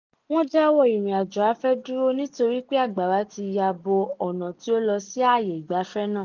Wọ́n dáwọ́ ìrìn-àjò afẹ́ dúró nítorí pé àgbàrá ti ya bo ọ̀nà tí ó lọ sí àyè ìgbafẹ́ náà.